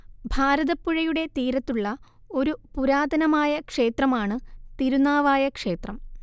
ഭാരതപ്പുഴയുടെ തീരത്തുള്ള ഒരു പുരാതനമായ ക്ഷേത്രമാണ് തിരുനാവായ ക്ഷേത്രം